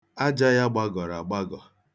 Aja ya gbagọrọ agbagọ.